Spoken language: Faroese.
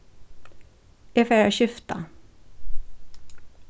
eg fari at skifta